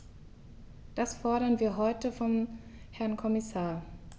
Das fordern wir heute vom Herrn Kommissar.